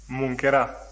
mun kɛra